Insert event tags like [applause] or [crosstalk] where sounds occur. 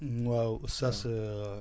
[hesitation] [hesitation] waaw oustaz [hesitation]